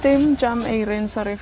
dim jam eirin. Sori